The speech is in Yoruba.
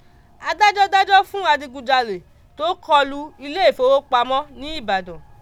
Adájọ́ dájọ́ fún adigunjalè tó kọlu ilé ìfowópamọ́ ní Ìbàdàn.